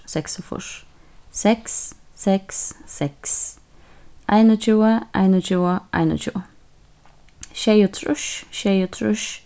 seksogfýrs seks seks seks einogtjúgu einogtjúgu einogtjúgu sjeyogtrýss sjeyogtrýss